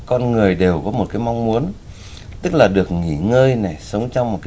con người đều có một cái mong muốn tức là được nghỉ ngơi này sống trong một